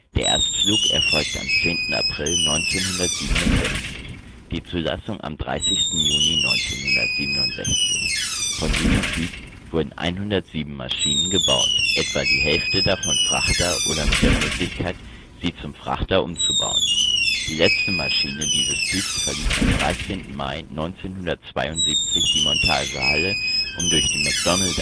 Erstflug erfolgte am 10. April 1967, die Zulassung am 30. Juni 1967. Von diesem Typ wurden 107 Maschinen gebaut, etwa die Hälfte davon Frachter oder mit der Möglichkeit sie zum Frachter umzubauen. Die letzte Maschine dieses Typs verließ am 13. Mai 1972 die Montagehalle, um durch die McDonnell